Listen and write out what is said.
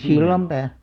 Sillanpää